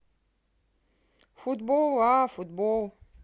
футбол а футбол